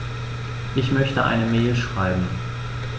Ich möchte eine Mail schreiben.